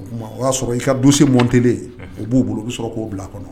O tuma o y'a sɔrɔ i ka du se mɔnt u b'u bolo u bɛ sɔrɔ k'o bila kɔnɔ